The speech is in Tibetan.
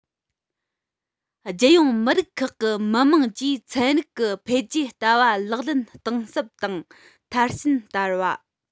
རྒྱལ ཡོངས མི རིགས ཁག གི མི དམངས ཀྱིས ཚན རིག གི འཕེལ རྒྱས ལྟ བ ལག ལེན གཏིང ཟབ དང མཐར ཕྱིན བསྟར བ